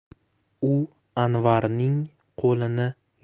u anvarning qo'lini